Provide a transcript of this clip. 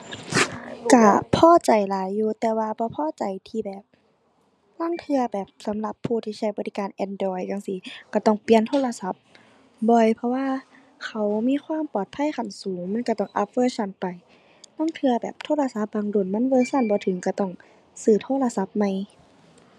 ก็พอใจหลายอยู่ แต่ว่าบ่พอใจที่แบบ ลางเทื่อแบบ สำหรับผู้ที่ใช้บริการ Android จั่งซี้ก็ต้องเปลี่ยนโทรศัพท์บ่อย เพราะว่าเขามีความปลอดภัยขั้นสูงมันก็ต้องอัปเวอร์ชันไป ลางเทื่อแบบ โทรศัพท์บางรุ่นมันเวอร์ชันบ่ถึงก็ต้องซื้อโทรศัพท์ใหม่